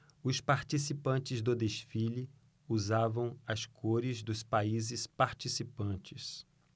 os participantes do desfile usavam as cores dos países participantes